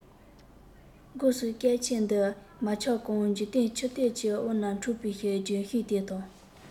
སྒོས སུ སྐལ ཆེན འདི མ ཆགས གོང འཇིག རྟེན ཆུ གཏེར གྱི དབུས ན འཁྲུངས པའི ལྗོན ཤིང དེ དང